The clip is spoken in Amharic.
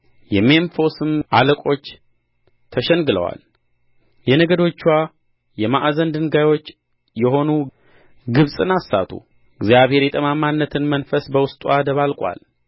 የሜምፎስም አለቆች ተሸንግለዋል የነገዶችዋ የማዕዘን ድንጋዮች የሆኑ ግብጽን አሳቱ እግዚአብሔር የጠማምነትን መንፈስ በውስጥዋ ደባልቆአል